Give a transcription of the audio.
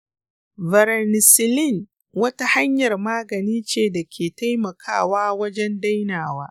varenicline wata hanyar magani ce da ke taimakawa wajen dainawa.